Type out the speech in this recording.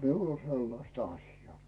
minulla on sellaista asiaa